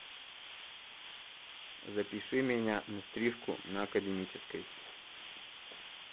запиши меня на стрижку на академической